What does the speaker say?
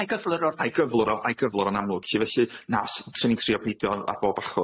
A'i gyflwr o wrth- ... A'i gyflwr o, a'i gyflwr o'n amlwg. 'Lly felly na, s- swn i'n trio peidio ar ar bob achos.